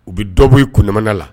U bɛ dɔbɔ i kundama la.